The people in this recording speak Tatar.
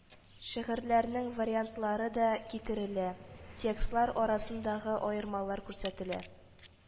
Шигырьләрнең вариантлары да китерелә, текстлар арасындагы аермалар күрсәтелә;